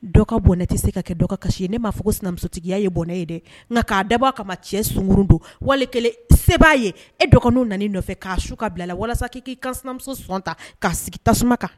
Dɔ ka bɔnɛ tɛ se ka kɛ dɔgɔ ka kasi ye ne m'a fɔ sinamusotigiya ye bɔnɛ ye dɛ nka k'a daba kama cɛ sunurun don wali kelen se b'a ye ew nana nɔfɛ k'a su ka bila la walasa k' k'i kan sinamuso sɔn ta k'a sigi tasuma kan